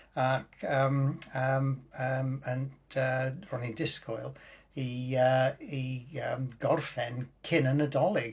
Ac yym yym yym and yy ro'n i'n disgwyl i yy i yy gorffen cyn y Nadolig.